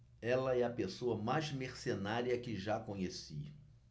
ela é a pessoa mais mercenária que já conheci